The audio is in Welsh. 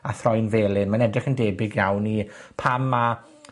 a throi'n felyn, mae'n edrych yn debyg iawn i pan ma',